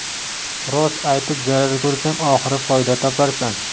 rost aytib zarar ko'rsang oxiri foyda toparsan